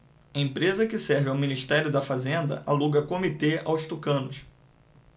empresa que serve ao ministério da fazenda aluga comitê aos tucanos